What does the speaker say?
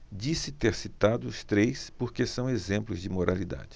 disse ter citado os três porque são exemplos de moralidade